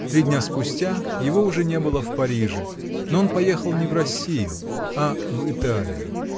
Три дня спустя его уже не было в Париже: но он поехал не в Россию, а в Италию.